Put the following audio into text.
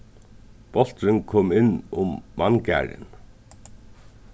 bólturin kom inn um manngarðin